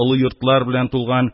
Олы йортлар белән тулган